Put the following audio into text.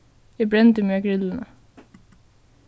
eg brendi meg á grillini